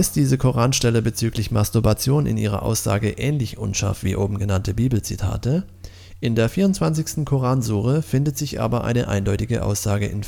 diese Koranstelle bezüglich Masturbation in ihrer Aussage ähnlich unscharf wie die o. g. Bibelzitate, in der 24. Koransure findet sich aber eine eindeutige Aussage